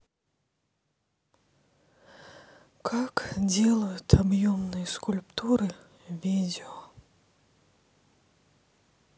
как делают объемные скульптуры видео